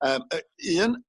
yym yy un